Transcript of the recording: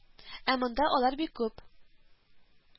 Ә монда алар бик күп